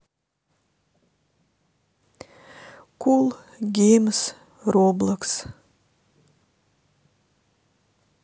кул геймс роблокс